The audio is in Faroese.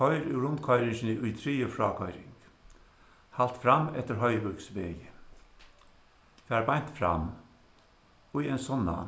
koyr úr rundkoyringini í triðju frákoyring halt fram eftir hoyvíksvegi far beint fram í ein sunnan